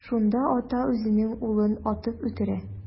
Шунда ата үзенең улын атып үтерә.